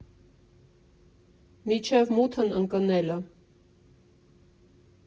Մինչև մութն ընկնելը։